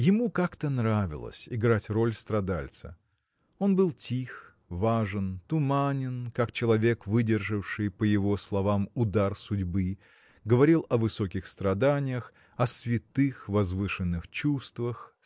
Ему как-то нравилось играть роль страдальца. Он был тих важен туманен как человек выдержавший по его словам удар судьбы – говорил о высоких страданиях о святых возвышенных чувствах